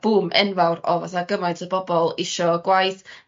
bŵm enfawr o fatha gymaint o bobol isio gwaith